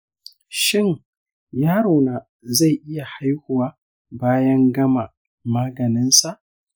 shin yarona zai iya haihuwa bayan gama maganinsa?